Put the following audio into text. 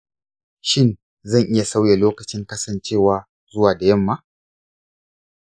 shin zan iya sauya lokacin kasance wa zuwa da yamma